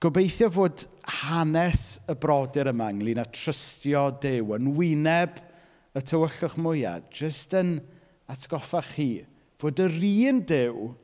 Gobeithio fod hanes y brodyr yma ynglŷn â trystio Duw, yn wyneb y tywyllwch mwya, jyst yn atgoffa chi, fod yr un Duw...